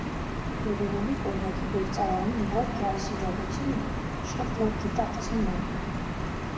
Երևանի կոնյակի գործարանում, իհարկե, այս իրողությունը շատ լավ գիտակցում են։